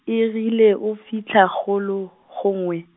e rile o fitlha golo, gongwe.